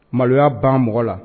Maloya ban mɔgɔ la